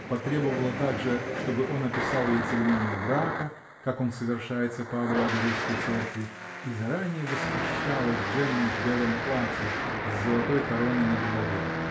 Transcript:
потребовала также, чтобы он описал ей церемонию брака, как он совершается по обряду русской церкви, -- и заранее восхищалась Джеммой в белом платье, с золотой короной на голове.